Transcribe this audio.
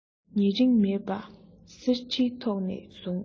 ཉེ རིང མེད པར གསེར ཁྲིའི ཐོགས ནས བཟུང